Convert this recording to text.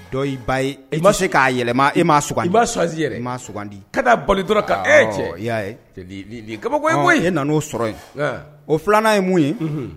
I ba ma se k'a yɛlɛma e ma sugan i'ugan e ma sugandi ka da balo dɔrɔn i y'a kabako e ko ye nan' oo sɔrɔ yen o filanan ye mun ye